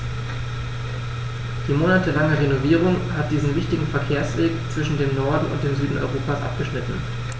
Die monatelange Renovierung hat diesen wichtigen Verkehrsweg zwischen dem Norden und dem Süden Europas abgeschnitten.